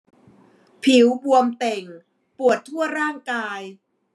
ผิวบวมเต่งปวดทั่วร่างกาย